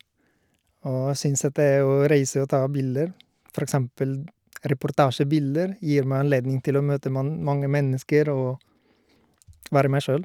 Og syns at det å reise og ta bilder, for eksempel d reportasjebilder, gir meg anledning til å møte man mange mennesker og være meg sjøl.